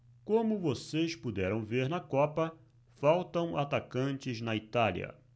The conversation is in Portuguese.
como vocês puderam ver na copa faltam atacantes na itália